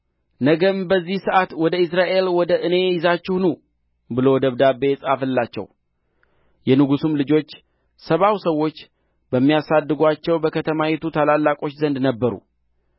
ነገም በዚህ ሰዓት ወደ ኢይዝራኤል ወደ እኔ ይዛችሁ ኑ ብሎ ደብዳቤ ጻፈላቸው የንጉሡም ልጆች ሰባው ሰዎች በሚያሳድጓቸው በከተማይቱ ታላላቆች ዘንድ ነበሩ